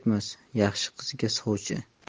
kerakmas yaxshi qizga sovchi